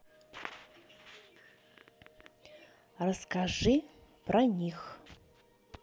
расскажи про них